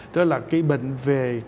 đó là cái bệnh về